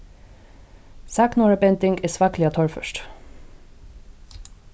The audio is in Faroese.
sagnorðabending er svakliga torført